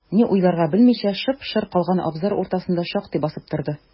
Ни уйларга белмичә, шып-шыр калган абзар уртасында шактый басып торды.